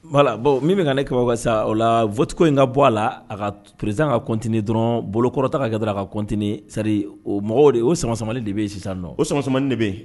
' la bɔn min min ka ne kababa sa o la ftcogo in ka bɔ a la a ka presiz kat dɔrɔn bolokɔrɔta ka kɛ a kateni sari o mɔgɔ de o san sɔmani de bɛ yen sisan nɔ o san sɔmani de bɛ yen